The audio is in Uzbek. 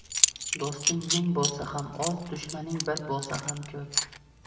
do'sting ming bo'lsa ham oz dushmaning bir bo'lsa ham ko'p